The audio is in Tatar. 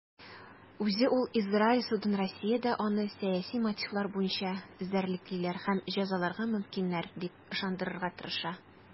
Үзе ул Израиль судын Россиядә аны сәяси мотивлар буенча эзәрлеклиләр һәм җәзаларга мөмкиннәр дип ышандырырга тырыша.